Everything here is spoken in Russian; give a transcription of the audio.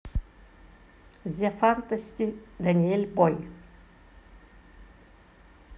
зе фантасти даниэль бой